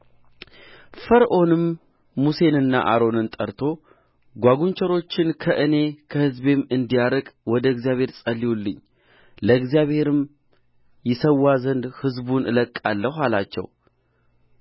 ፈርዖንም ሙሴንና አሮንን ጠርቶ ጓጕንቸሮቹን ከእኔ ከሕዝቤም እንዲያርቅ ወደ እግዚአብሔር ጸልዩልኝ ለእግዚአብሔርም ይሠዋ ዘንድ ሕዝቡን እለቅቃለሁ አላቸው